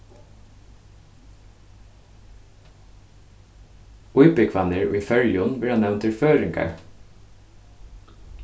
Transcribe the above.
íbúgvarnir í føroyum verða nevndir føroyingar